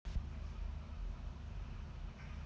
и в натуре коза ебучая